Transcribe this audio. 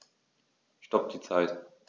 Stopp die Zeit